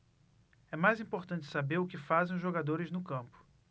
é mais importante saber o que fazem os jogadores no campo